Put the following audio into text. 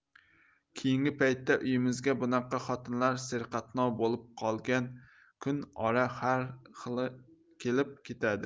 keyingi paytda uyimizga bunaqa xotinlar serqatnov bo'lib qolgan kun ora har xili kelib ketadi